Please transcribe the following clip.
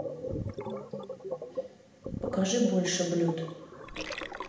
покажи больше блюд